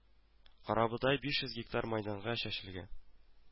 Карабодай 500 гектар мәйданга чәчелгән